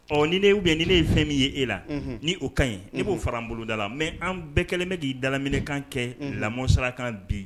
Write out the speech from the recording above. Ɔ ni ne ubiɛn ni ne ye fɛn min ye e la ni o kaɲi ne b'o fara n boloda la mɛ an bɛɛ kɛlen bɛ k'i dalaminɛkan kɛ lamɔsirakan bi